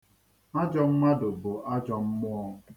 Ajọ mmadụ bụ ajọ mmụọ